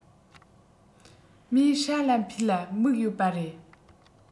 མོས ཧྲ ལ ཕོས ལ དམིགས ཡོད པ རེད